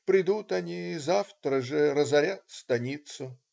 придут они завтра же, разорят станицу.